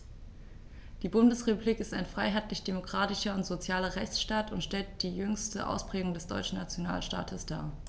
Die Bundesrepublik ist ein freiheitlich-demokratischer und sozialer Rechtsstaat und stellt die jüngste Ausprägung des deutschen Nationalstaates dar.